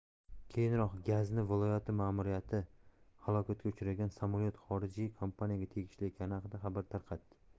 keyinroq g'azni viloyati ma'muriyati halokatga uchragan samolyot xorijiy kompaniyaga tegishli ekani haqida xabar tarqatdi